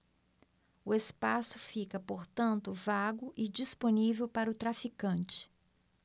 o espaço fica portanto vago e disponível para o traficante